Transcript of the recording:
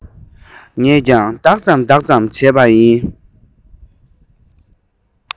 ངས ཀྱང ལྡག ཙམ ལྡག ཙམ བྱས པ ཡིན